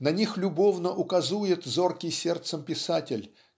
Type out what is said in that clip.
на них любовно указует зоркий сердцем писатель